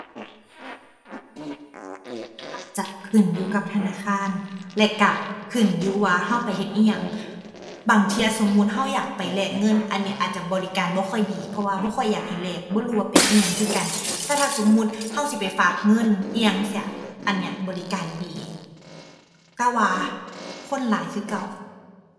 จะขึ้นอยู่กับธนาคารและก็ขึ้นอยู่ว่าก็ไปเฮ็ดอิหยัง บางเที่ยสมมุติก็อยากไปแลกเงิน อันนี้อาจจะบริการบ่ค่อยดี เพราะว่าบ่ค่อยอยากให้แลก บ่รู้ว่าเป็นอิหยังคือกัน แต่ถ้าสมมุติก็สิไปฝากเงินอิหยังจั่งซี้ อันนี้บริการดี แต่ว่าคนหลายคือเก่า